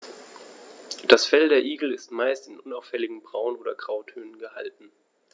Das Fell der Igel ist meist in unauffälligen Braun- oder Grautönen gehalten.